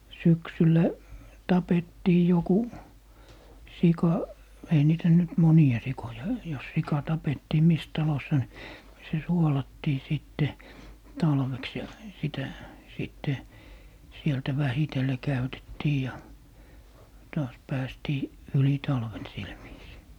syksyllä tapettiin joku sika ei niitä nyt monia sikoja jos sika tapettiin missä talossa niin se suolattiin sitten talveksi ja sitä sitten sieltä vähitellen käytettiin ja taas päästiin yli talven sillä viisiin